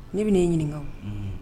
Ne bɛ e ɲininkakaw